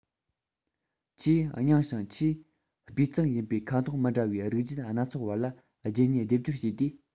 ཆེས རྙིང ཞིང ཆེས སྤུས གཙང ཡིན པའི ཁ དོག མི འདྲ བའི རིགས རྒྱུད སྣ ཚོགས བར ལ རྒྱུད གཉིས སྡེབ སྦྱོར བྱས དུས